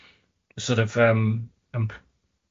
sor' of yym yym